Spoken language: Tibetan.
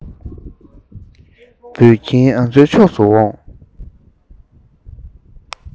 འབོད ཀྱིན ང ཚོའི ཕྱོགས སུ འོང